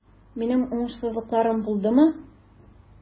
Минем уңышсызлыкларым булдымы?